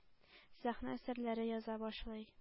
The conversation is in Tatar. Сәхнә әсәрләре яза башлый.